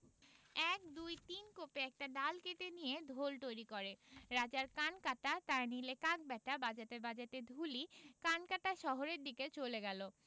এক দুই তিন কোপে একটা ডাল কেটে নিয়ে ঢোল তৈরি করে ‘রাজার কান কাটা তাই নিলে কাক ব্যাটা বাজাতে বাজাতে ঢুলি কানকাটা শহরের দিকে চলে গেল